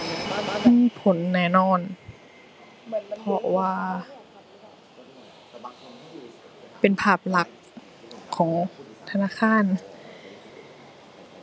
มีผลแน่นอน เพราะว่าเป็นภาพลักษณ์ของธนาคาร